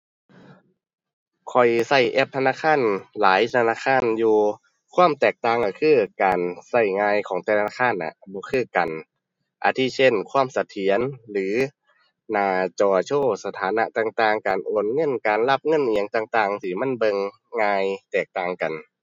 ข้อยใช้แอปธนาคารหลายธนาคารอยู่ ความแตกต่างใช้คือการใช้ง่ายของแต่ละธนาคารน่ะบ่คือกัน อาทิเช่น ความเสถียรหรือหน้าจอโชว์สถานะต่างต่าง การโอนเงิน การรับเงินอิหยังต่างต่างจั่งซี้ มันเบิ่งง่าย แตกต่างกัน